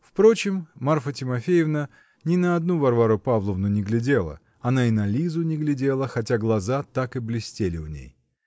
Впрочем, Марфа Тимофеевна не на одну Варвару Павловну не глядела: она и на Лизу не глядела, хотя глаза так и блестели у ней.